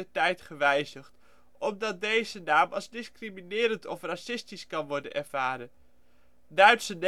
tijd gewijzigd, omdat deze naam als discriminerend of racistisch kan worden ervaren; Duitse